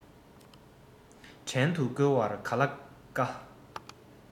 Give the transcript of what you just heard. བྲན དུ བཀོལ བར ག ལ དཀའ